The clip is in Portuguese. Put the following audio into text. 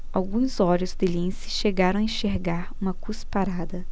alguns olhos de lince chegaram a enxergar uma cusparada